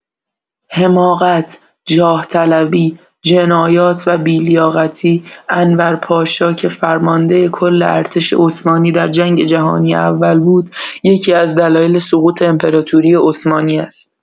حماقت، جاه‌طلبی، جنایات و بی‌لیاقتی انور پاشا که فرماندۀ کل ارتش عثمانی در جنگ‌جهانی اول بود، یکی‌از دلایل سقوط امپراتوری عثمانی است.